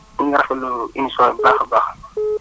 ñu ngi rafetlu émission bi bu baax a baax